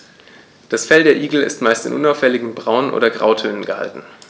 Das Fell der Igel ist meist in unauffälligen Braun- oder Grautönen gehalten.